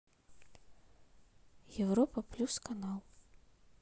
европа плюс канал